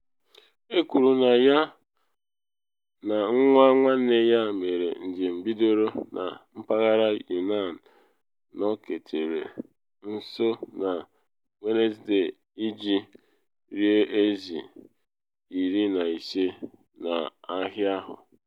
Ekwuru na ya na nwa nwanne ya mere njem bidoro na mpaghara Yunnan nọketere nso na Wenesde iji ree ezi 15 n’ahịa ahụ.